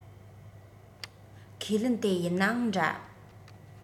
ཁས ལེན དེ ཡིན ནའང འདྲ